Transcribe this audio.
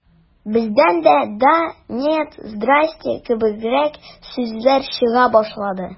Бездән дә «да», «нет», «здрасте» кебегрәк сүзләр чыга башлады.